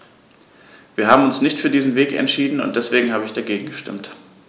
Wir haben uns nicht für diesen Weg entschieden, und deswegen habe ich dagegen gestimmt.